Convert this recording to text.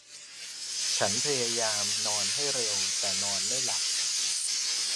ฉันพยายามนอนให้เร็วแต่นอนไม่หลับ